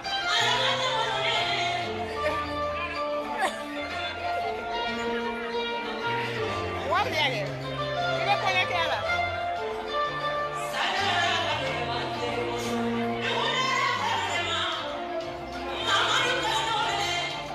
Maa wa tile laban maa